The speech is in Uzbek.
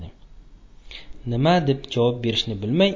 nima deb javob berishni bilmay